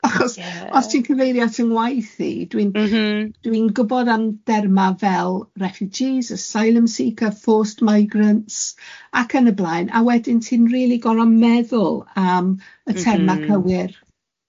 Achos... Ie. ...os ti'n cyfeiri at y ngwaith i, dwi'n... M-hm. ...dwi'n gwybod am derma fel refugees, asylum seeker, forced migrants, ac yn y blaen, a wedyn ti'n rili gorfod meddwl am... M-hm. ...y terma cywir.